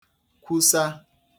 kwusa